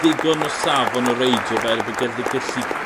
ddigon o safon o reidiwr fel by gellu